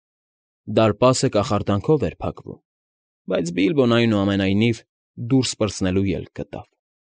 Դարպասը կախարդանքով էր փակվում, բայց Բիլբոն, այնուամենայնիվ, դուրս պրծնելու ելք գտավ։